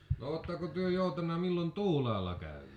no oletteko te joutanut milloin tuulaalla käymään